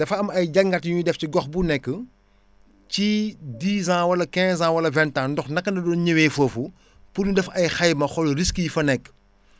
dafa am ay jàngat yu énuy def ci gox bu nekk ci dix ans wala quinze ans wala vingt ans ndox naka la doon ñëwee foofu pour ñu def ay xayma xool risque yi fa nekk